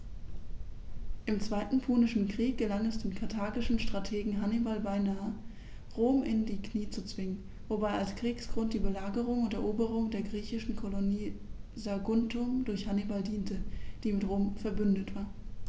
Im Zweiten Punischen Krieg gelang es dem karthagischen Strategen Hannibal beinahe, Rom in die Knie zu zwingen, wobei als Kriegsgrund die Belagerung und Eroberung der griechischen Kolonie Saguntum durch Hannibal diente, die mit Rom „verbündet“ war.